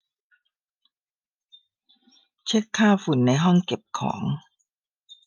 เช็คค่าฝุ่นในห้องเก็บของ